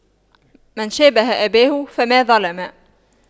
من شابه أباه فما ظلم